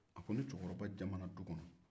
a ko ni cɛkɔrɔba jamanna du kɔnɔ